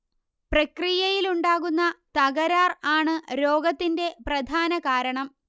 പ്രക്രിയയിലുണ്ടാകുന്ന തകരാർ ആണ് രോഗത്തിന്റെ പ്രധാനകാരണം